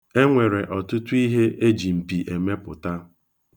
E nwere ọtụtụ ihe e ji mpi emepụta.